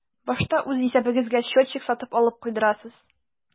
Башта үз исәбегезгә счетчик сатып алып куйдырасыз.